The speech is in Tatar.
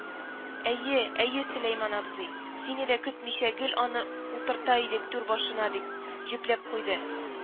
— әйе, әйе, сөләйман абзый, сине дә көтмичә гел аны утырта идек түр башына, — дип җөпләп куйды